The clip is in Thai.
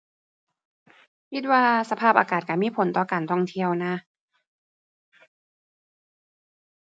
คิดว่าสภาพอากาศก็มีผลต่อการท่องเที่ยวนะ